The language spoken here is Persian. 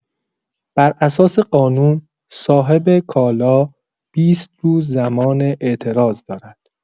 بر اساس قانون، صاحب کالا ۲۰ روز زمان اعتراض دارد.